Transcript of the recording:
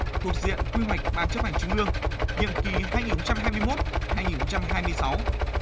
thuộc diện quy hoạch ban chấp hành trung ương nhiệm kỳ hai nghìn không trăm hai mươi mốt hai nghìn không trăm hai mươi sáu